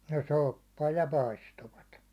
no soppaa ja paistoivat